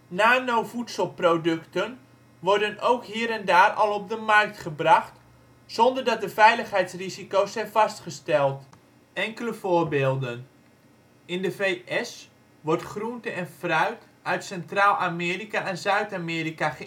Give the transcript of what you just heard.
Nano-voedselproducten worden ook hier en daar al op de markt gebracht, zonder dat de veiligheidsrisico 's zijn vastgesteld. Enkele voorbeelden: in Amerika wordt groenten en fruit uit Centraal-Amerika en Zuidamerika